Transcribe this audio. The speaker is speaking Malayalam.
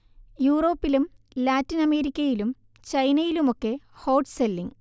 യൂറോപ്പിലും ലാറ്റിൻ അമേരിക്കയിലും ചൈനയിലുമൊക്കെ ഹോട്ട് സെല്ലിങ്